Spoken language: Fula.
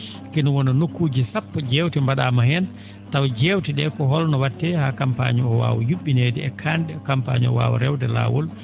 kene wona nokkuuji sappo njeewte mba?aama heen taw jeewte ?ee ko holno wattee haa campagne o waawa yu??ineede e kaalne?en campagne o waawa rewde laawol